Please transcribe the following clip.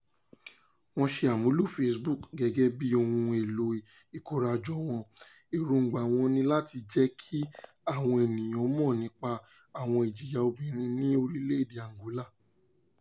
Wọ́n ṣe àmúlò Facebook gẹ́gẹ́ bí ohun èlò ìkórajọ wọn, èròńgbà wọn ni láti jẹ́ kí àwọn ènìyàn mọ̀ nípa àwọn ìjìyà obìnrin ní orílẹ̀-èdè Angola: